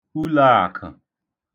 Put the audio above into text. ụlāàkụ̀